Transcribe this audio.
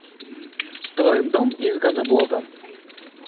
строим дом из газоблока